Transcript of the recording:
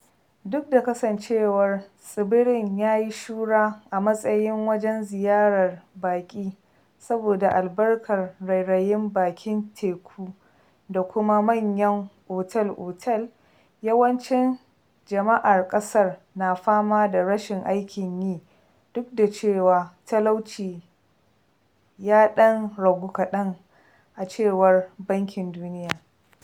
Duk da kasancewar tsibirin ya yi shuhura a matsayin wajen ziyarar baƙi saboda albarkar rairayin bakin teku da kuma manyan otal-otal, yawancin jama'ar ƙasar na fama da rashin aikin yi duk da cewa talauci ya ɗan ragu kaɗan, a cewar Bankin Duniya.